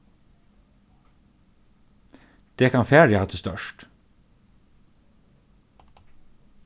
dekan fari hatta er stórt